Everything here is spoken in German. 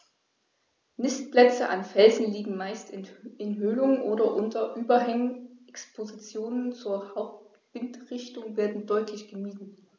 Nistplätze an Felsen liegen meist in Höhlungen oder unter Überhängen, Expositionen zur Hauptwindrichtung werden deutlich gemieden.